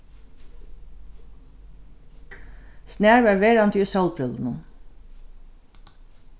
snar varð verandi í sólbrillunum